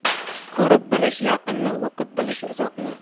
ko'rib bilish yaqinni o'qib bilish uzoqni